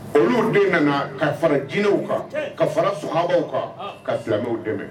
Olu den nana, ka fara jinɛw kan, tiɲɛ, ka fara kan ka silamɛw dɛmɛ